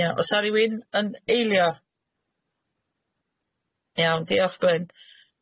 Ia, oes na rywun yn eilio? Iawn, diolch Gwyn.